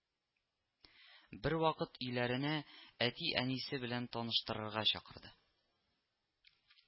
Бервакыт өйләренә, әти-әнисе белән таныштырырга чакырды